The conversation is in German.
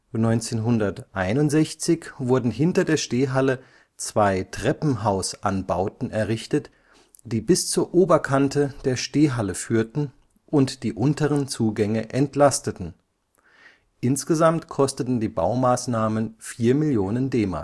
1961 wurden hinter der Stehhalle zwei Treppenhausanbauten errichtet, die bis zur Oberkante der Stehhalle führten und die unteren Zugänge entlasteten. Insgesamt kosteten die Baumaßnahmen vier Millionen DM